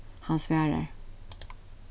hann svarar